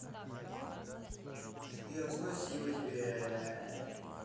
сбер спасибо тебе